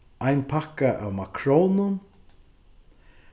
ein pakka av makrónum